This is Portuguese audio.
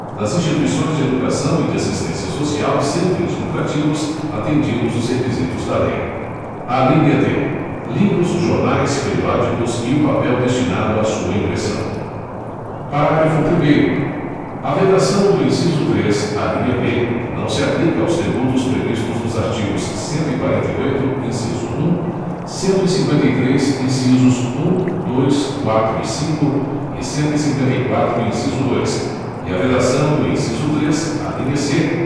das instituições de educação e de assistência social sem fins lucrativos atendidos os requisitos da lei alínea d livros jornais periódicos e o papel destinado a sua impressão parágrafo primeiro a vedação do inciso três alínea b não se aplica aos tributos previstos nos artigos cento e quarenta e oito inciso um cento e cinquenta e três incisos um dois quatro e cinco e cento e cinquenta e quatro inciso dois e a vedação do inciso três alínea c